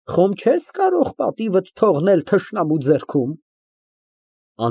Խոմ չես կարող պատիվդ թողնել թշնամուդ ձեռքում։